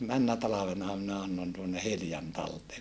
menneenä talvena minä annoin tuonne Hiljan talteen